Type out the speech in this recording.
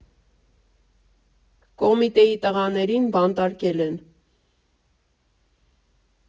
Կոմիտեի տղաներին բանտարկել են։